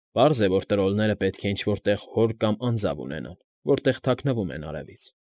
Պարզ է, որ տրոլները պետք է ինչ֊որ տեղ հոր կամ անձավ ունենան, որտեղ թաքնվում են արևից։